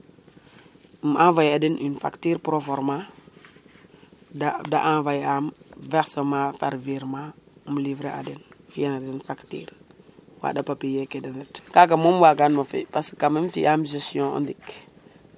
um envoyer a den une facture proforma envoyer am versement par virement um livrer a den facture wanda papiers ke de ndet kaga moom wagan mo fi parce que quant meme fi am gestion o ndik